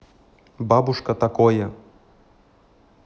бабушка такое